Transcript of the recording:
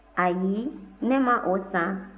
ayi ne ma o san